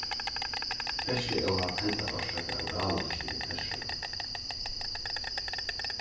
ferðsluóhapp henda orsakað av gáloysni í ferðsluni